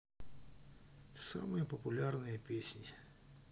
самые популярные песни